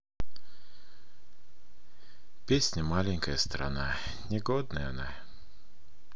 песня маленькая страна негодная она